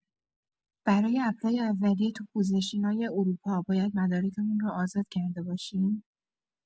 برای اپلای اولیه تو پوزیشنای اروپا باید مدارکمون رو آزاد کرده باشیم؟